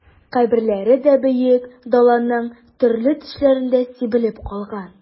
Каберләре дә Бөек Даланың төрле төшләрендә сибелеп калган...